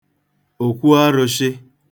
òkwu arụ̄shị̄